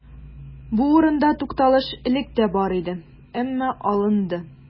Бу урында тукталыш элек тә бар иде, әмма алынды.